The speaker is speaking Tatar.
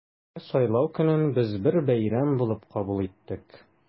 Һәр сайлау көнен без бер бәйрәм булып кабул иттек.